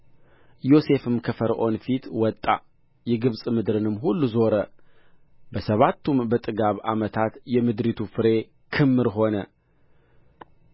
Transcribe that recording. ዮሴፍም ከፈርዖን ፊት ወጣ የግብፅ ምድርንም ሁሉ ዞረ በሰባቱም በጥጋብ ዓመታት የምድሪቱ ፍሬ ክምር ሆነ